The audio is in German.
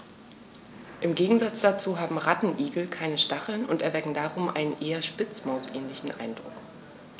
Im Gegensatz dazu haben Rattenigel keine Stacheln und erwecken darum einen eher Spitzmaus-ähnlichen Eindruck.